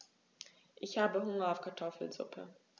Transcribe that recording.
Ich habe Hunger auf Kartoffelsuppe.